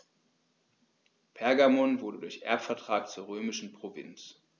Pergamon wurde durch Erbvertrag zur römischen Provinz.